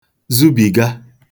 zubìga